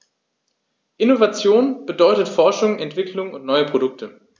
Innovation bedeutet Forschung, Entwicklung und neue Produkte.